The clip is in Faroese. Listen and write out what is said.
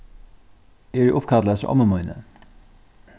eg eri uppkallað eftir ommu míni